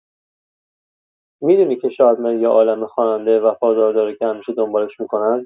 می‌دونی که شادمهر یه عالمه خواننده وفادار داره که همیشه دنبالش می‌کنن؟